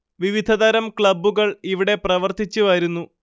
വിവധതരം ക്ലബ്ബുകൾ ഇവിടെ പ്രവർത്തിച്ച് വരുന്നു